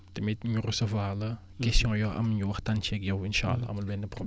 tamit ñu recevoir la questions yoo am ñu waxtaan ceeg yow insaa àllaa amul benn problème